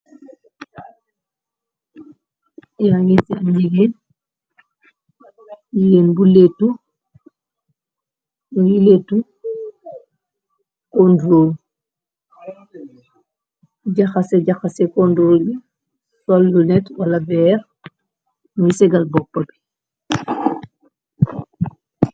Yaa ngi ci atnjigeen ligeen yu leetu kondrool jaxase jaxase kondo yi sol yu net wala beex muy segal bopp bi.